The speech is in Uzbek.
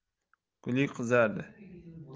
guli qizardi